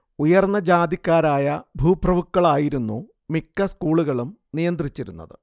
ഉയർന്ന ജാതിക്കാരായ ഭൂപ്രഭുക്കളായിരുന്നു മിക്ക സ്കൂളുകളും നിയന്ത്രിച്ചിരുന്നത്